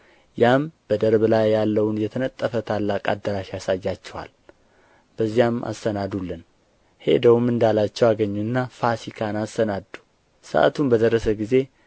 ያም በደርብ ላይ ያለውን የተነጠፈ ታላቅ አዳራሽ ያሳያችኋል በዚያም አሰናዱልን ሄደውም እንዳላቸው አገኙና ፋሲካን አሰናዱ ሰዓቱም በደረሰ ጊዜ